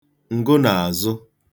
ǹgụnààzụ